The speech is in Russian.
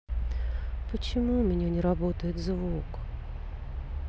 почему у меня не работает звук